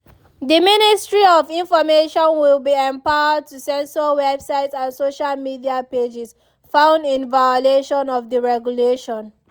The Ministry of Information will be empowered to censor websites and social media pages found in violation of the regulation.